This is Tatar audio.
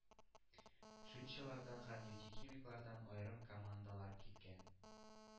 Шинчылардан һәм нефтехимиклардан аерым командалар киткән.